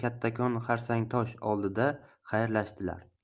kattakon xarsangtosh oldida xayrlashdilar